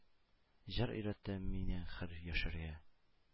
Җыр өйрәтте мине хөр яшәргә